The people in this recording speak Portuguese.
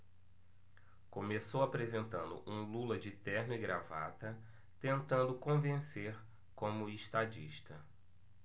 começou apresentando um lula de terno e gravata tentando convencer como estadista